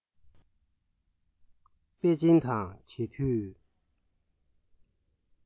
པེ ཅིན དང གྱེས དུས